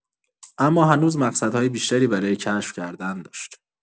اما هنوز مقصدهای بیشتری برای کشف کردن داشت.